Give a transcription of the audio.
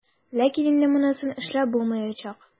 Ләкин инде монысын эшләп булмаячак.